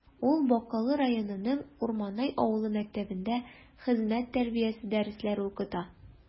Ул Бакалы районының Урманай авылы мәктәбендә хезмәт тәрбиясе дәресләре укыта.